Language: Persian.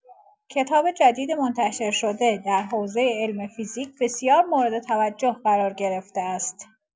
کتاب جدید منتشر شده در حوزه علم فیزیک بسیار مورد توجه قرار گرفته است.